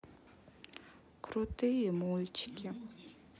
крутые мультики